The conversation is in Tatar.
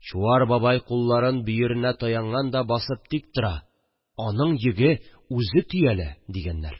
Чуар бабай кулларын бөеренә таянган да, басып тик тора, аның йөге үзе төялә, – дигәннәр